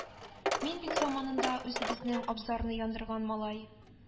Мин бит заманында үзебезнең абзарны яндырган малай